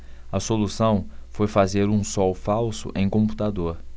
a solução foi fazer um sol falso em computador